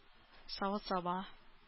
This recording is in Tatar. Савыт-саба